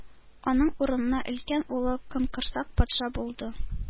Аның урынына өлкән улы Капкорсак патша булды.